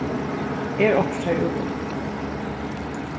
er okkurt har úti